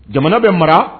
Jamana bɛ mara